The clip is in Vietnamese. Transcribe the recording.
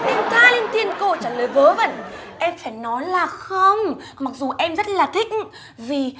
luyên tha luyên thuyên câu trả lời vớ vẩn em phải nói là không mặc dù em rất là thích vì